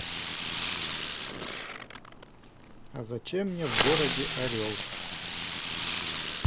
а зачем мне в городе орел